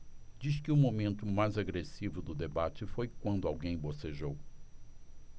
diz que o momento mais agressivo do debate foi quando alguém bocejou